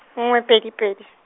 nngwe pedi pedi.